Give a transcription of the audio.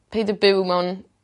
peid a byw mewn